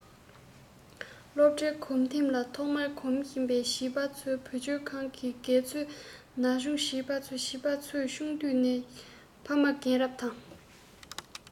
སློབ གྲྭའི སྒོ ཐེམ ལ ཐོག མར འགོམ བཞིན པའི བྱིས པ ཚོའི བུ བཅོལ ཁང གི དགེ ཚོས ན ཆུང བྱིས པ བྱིས པ ཚོས ཆུང དུས ནས ཕ མ རྒན རབས དང